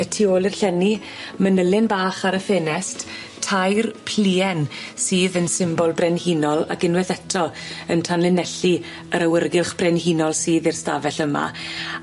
Y tu ôl i'r llenni manylyn bach ar y ffenest tair pluen sydd yn symbol brenhinol, ag unweth eto yn tanlinelli yr awyrgylch brenhinol sydd i'r stafell yma